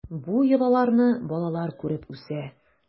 Бу йолаларны балалар күреп үсә.